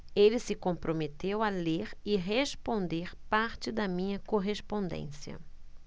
ele se comprometeu a ler e responder parte da minha correspondência